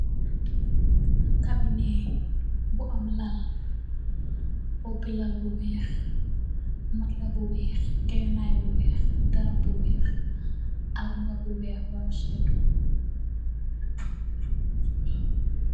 Carbenet bu am lal bope lal bu weex Matla bu weex genay bu weex darab bu weex armol bu weex bu am setu.